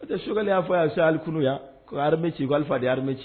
A tɛ sokɛ y'a fɔ aa se ali kunun yan ko hamɛ ci de ye hare ci